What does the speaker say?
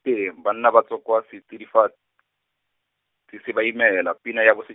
banna ba tswa kwa setsidifatsi se ba imela pina ya bosi.